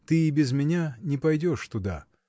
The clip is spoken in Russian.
Ты и без меня не пойдешь туда.